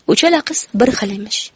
uchala qiz bir xil emish